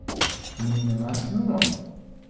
buning nimasi yomon